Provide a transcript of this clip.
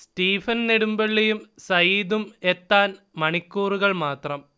Stephen നെടുമ്പള്ളിയും സയീദും എത്താൻ മണിക്കൂറുകൾ മാത്രം